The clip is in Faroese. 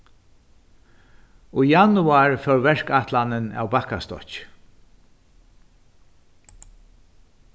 í januar fór verkætlanin av bakkastokki